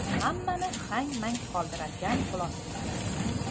u hammani hang mang qoldiradigan xulosaga kelibdi